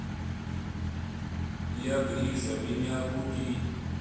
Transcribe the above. я гриша меня будить